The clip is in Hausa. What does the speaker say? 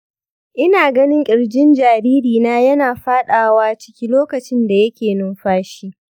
ina ganin ƙirjin jaririna yana faɗawa ciki lokacin da yake numfashi.